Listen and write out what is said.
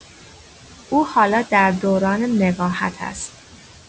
او حالا در دوران نقاهت است.